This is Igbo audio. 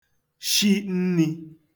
shi nni